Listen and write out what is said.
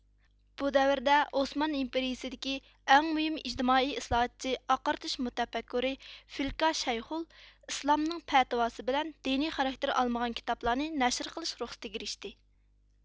بۇ دەۋردە ئوسمان ئىمپېرىيىسىدىكى ئەڭ مۇھىم ئىجتىمائىي ئىسلاھاتچى ئاقارتىش مۇتەپەككۇرى فىلكا شەيخۇل ئىسلامنىڭ پەتىۋاسى بىلەن دىنىي خاراكتېر ئالمىغان كىتابلارنى نەشر قىلىش رۇخسىتىگە ئېرىشتى